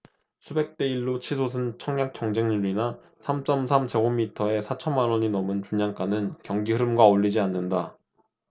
수백 대 일 로 치솟은 청약 경쟁률이나 삼 쩜 삼 제곱미터에 사천 만원이 넘은 분양가는 경기흐름과 어울리지 않는다